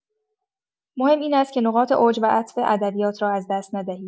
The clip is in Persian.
مهم این است که نقاط اوج و عطف ادبیات را از دست ندهید.